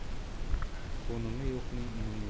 qo'nimi yo'qning unumi yo'q